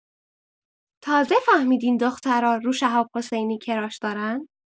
تازه فهمیدین دخترا رو شهاب حسینی کراش دارن؟